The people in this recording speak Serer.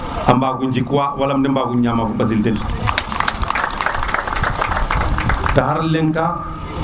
a bago njik wa wala de bago ñama fo ɓasil den taxar leng ka